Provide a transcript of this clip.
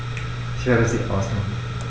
Ich werde sie ausmachen.